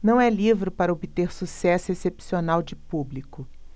não é livro para obter sucesso excepcional de público